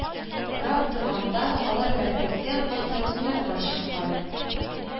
Рап торганда, алар мәктәптән кайтып уйнарга чыккан